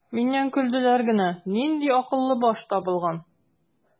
Миннән көлделәр генә: "Нинди акыллы баш табылган!"